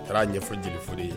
A taara ɲɛfɔ jelifo ye